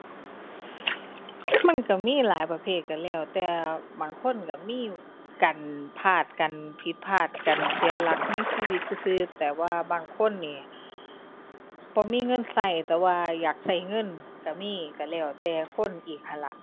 มันก็มีหลายประเภท ก็แล้วแต่บางคนก็มีกัน พลาดกัน ผิดพลาดกัน เสียหลักในชีวิตซื่อซื่อ แต่ว่าบางคนนี่บ่มีเงินก็แต่ว่าอยากก็เงินก็มี ก็แล้วแต่คนอีกหั้นล่ะ